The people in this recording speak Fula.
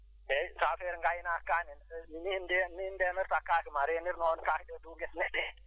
eeyi si affaire gaynaaka kaa ne ni ndeen ni ndeenirtaa kaake ma ne reenir noon kaake neɗɗo e dow gese neɗɗo hee